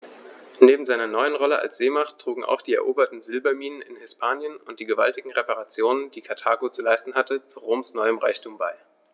Neben seiner neuen Rolle als Seemacht trugen auch die eroberten Silberminen in Hispanien und die gewaltigen Reparationen, die Karthago zu leisten hatte, zu Roms neuem Reichtum bei.